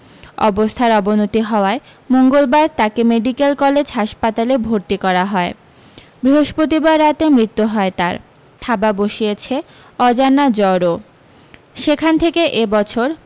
অবস্থার অবনতি হওয়ায় মঙ্গলবার তাঁকে মেডিক্যাল কলেজ হাসপাতালে ভর্তি করা হয় বৃহস্পতিবার রাতে মৃত্যু হয় তাঁর থাবা বসিয়েছে অজানা জরও সেখান থেকে এ বছর